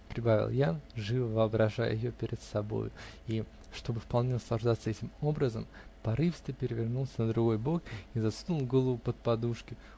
-- прибавил я, живо воображая ее перед собою, и, чтобы вполне наслаждаться этим образом, порывисто перевернулся на другой бок и засунул голову под подушки.